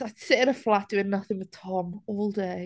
I'd sit in a flat doing nothing with Tom all day.